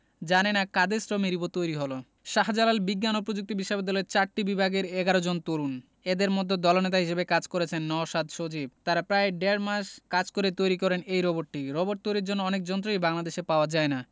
জানেন না কাদের শ্রমে রিবো তৈরি হলো শাহজালাল বিজ্ঞান ও প্রযুক্তি বিশ্ববিদ্যালয়ের চারটি বিভাগের ১১ জন তরুণ এদের মধ্যে দলনেতা হিসেবে কাজ করেছেন নওশাদ সজীব তারা প্রায় ডেড় মাস কাজ করে তৈরি করেন এই রোবটটি রোবট তৈরির জন্য অনেক যন্ত্রই বাংলাদেশে পাওয়া যায় না